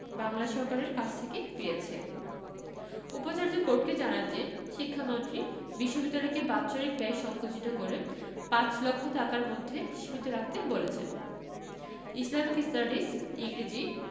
বাংলা সরকারের কাছ থেকে পেয়েছে উপাচার্য কোর্টকে জানান যে শিক্ষামন্ত্রী বিশ্ববিদ্যালয়কে বাৎসরিক ব্যয় সংকুচিত করে পাঁচ লক্ষ টাকার মধ্যে সীমিত রাখতে বলেছেন ইসলামিক স্টাডিজ ইংরেজি